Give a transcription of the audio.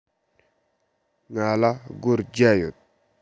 ང ལ སྒོར བརྒྱ ཡོད